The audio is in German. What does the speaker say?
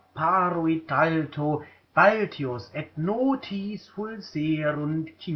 apparuit alto balteus et notis fulserunt